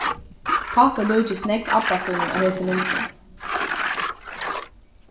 pápi líkist nógv abba sínum á hesi myndini